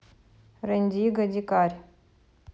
рендиго дикарь